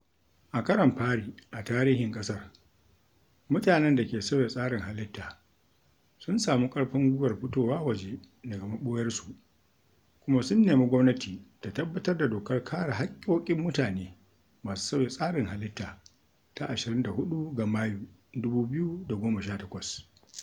A karon fari a tarihin ƙasar, mutanen da ke sauya tsarin halitta sun sami ƙarfin guiwar fitowa waje daga maɓoyarsu kuma sun nemi gwamnati ta tabbatar da Dokar(Kare Haƙƙoƙin) Mutane masu Sauya Tsarin Halitta ta 24 ga Mayu, 2018.